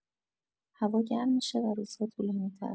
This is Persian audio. هوا گرم می‌شه و روزها طولانی‌تر.